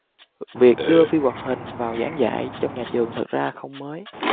việc đưa phim hoạt hình vào giảng dạy trong nhà trường thực ra không mới